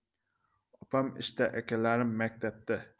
opam ishda akalarim maktabda